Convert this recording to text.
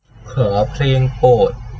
ขอเพลงโปรด